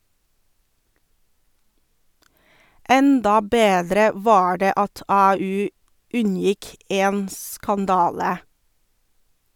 Enda bedre var det at AU unngikk en skandale.